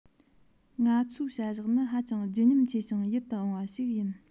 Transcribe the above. ང ཚོའི བྱ གཞག ནི ཧ ཅང བརྗིད ཉམས ཆེ ཞིང ཡིད དུ འོང བ ཞིག ཞིག ཡིན